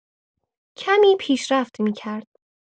کمی پیشرفت می‌کرد.